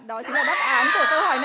đó chính làm đáp án của câu hỏi